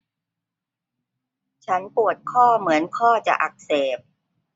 ฉันปวดข้อเหมือนข้อจะอักเสบ